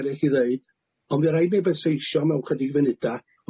eryll i ddeud ond mi rai' be' byseisio mewn chydig funuda